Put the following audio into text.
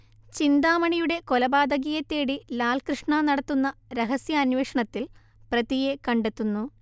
ചിന്താമണിയുടെ കൊലപാതകിയെത്തേടി ലാൽകൃഷ്ണ നടത്തുന്ന രഹസ്യാന്വേഷണത്തിൽ പ്രതിയെ കണ്ടെത്തുന്നു